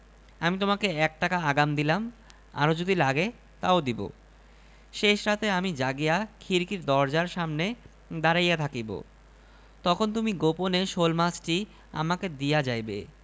আমি তোমাকে এক টাকা আগাম দিলাম আরও যদি লাগে তাও দিব শেষ রাতে আমি জাগিয়া খিড়কির দরজার সামনে দাঁড়াইয়া থাকিব তখন তুমি গোপনে শোলমাছটি আমাকে দিয়া যাইবে